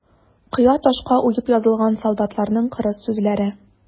Кыя ташка уеп язылган солдатларның кырыс сүзләре.